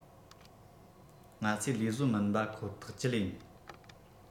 ང ཚོའི ལས བཟོ མི སྣ མིན པ ཁོ ཐག བཅད ཡིན